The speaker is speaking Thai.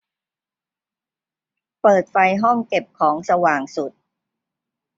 เปิดไฟห้องเก็บของสว่างสุด